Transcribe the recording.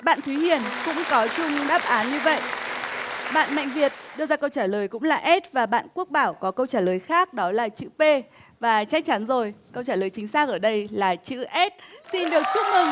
bạn thúy hiền cũng có chung đáp án như vậy bạn mạnh việt đưa ra câu trả lời cũng là ét và bạn quốc bảo có câu trả lời khác đó là chữ pê và chắc chắn rồi câu trả lời chính xác ở đây là chữ ét xin được chúc mừng